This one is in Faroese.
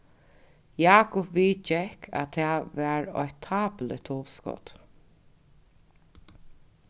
jákup viðgekk at tað var eitt tápuligt hugskot